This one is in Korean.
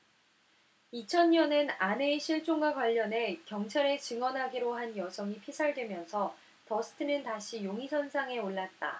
이천 년엔 아내의 실종과 관련해 경찰에 증언하기로 한 여성이 피살되면서 더스트는 다시 용의선상에 올랐다